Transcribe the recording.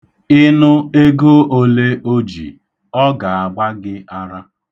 Ị nụ ego ole o ji, ọ ga-agba gị ara.